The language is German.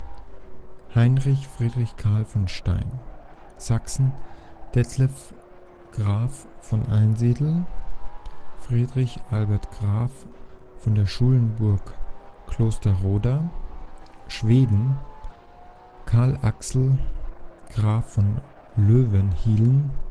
– Heinrich Friedrich Karl vom Stein Sachsen Detlev Graf von Einsiedel – Friedrich Albert Graf von der Schulenburg-Klosterroda Schweden Carl Axel Graf von Löwenhielm